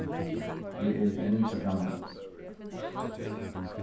eg eri enn hjá grannanum